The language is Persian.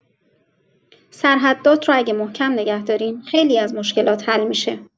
سرحدات رو اگه محکم نگه داریم، خیلی از مشکلات حل می‌شه.